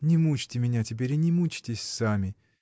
Не мучьте меня теперь и не мучьтесь сами.